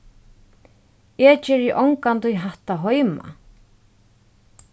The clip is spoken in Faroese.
eg geri ongantíð hatta heima